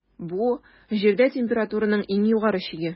Бу - Җирдә температураның иң югары чиге.